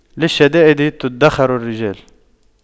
للشدائد تُدَّخَرُ الرجال